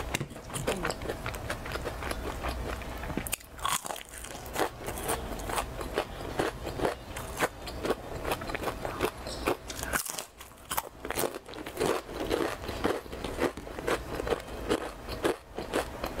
Pageeh .